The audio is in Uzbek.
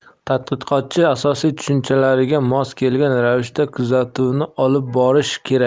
tadqiqotchi asosiy tushunchalariga mos kelgan ravishda kuzatuvni olib borishi kerak